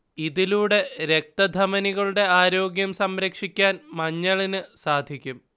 ഇതിലൂടെ രക്തധമനികളുടെ ആരോഗ്യം സംരക്ഷിക്കാൻ മഞ്ഞളിന് സാധിക്കും